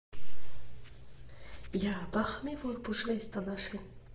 Յաա՜ա, բա խմի, որ բուժվես, տնաշեն։